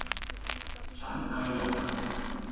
ฉันไออย่างหนัก